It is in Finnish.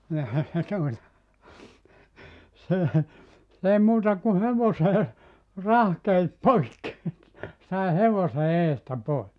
niin eihän se tuota se se ei muuta kuin hevoseen rahkeet poikki sai hevosen edestä pois